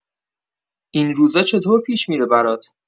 این روزا چطور پیش می‌ره برات؟